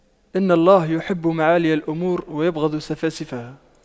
إن الله يحب معالي الأمور ويبغض سفاسفها